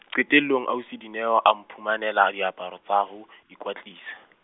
qetellong ausi Dineo a mphumanela diaparo tsa ho, ikwetlisa.